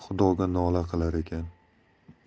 xudoga nola qilarkan